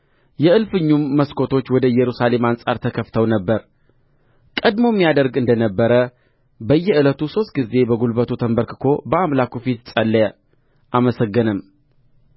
የእልፍኙም መስኮቶች ወደ ኢየሩሳሌም አንጻር ተከፍተው ነበር ቀድሞም ያደርግ እንደ ነበረ በየዕለቱ ሦስት ጊዜ በጕልበቱ ተንበርክኮ በአምላኩ ፊት ጸለየ አመሰገነም